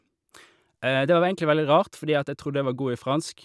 Det var egentlig veldig rart, fordi at jeg trodde jeg var god i fransk.